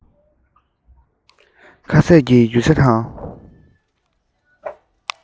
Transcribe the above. ཁ ཟས ཀྱི རྒྱུ ཆ དང